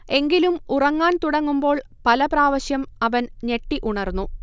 എങ്കിലും ഉറങ്ങാൻ തുടങ്ങുമ്പോൾ പല പ്രാവശ്യം അവൻ ഞെട്ടി ഉണർന്നു